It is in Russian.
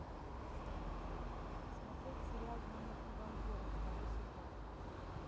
смотреть сериал дневники вампира второй сезон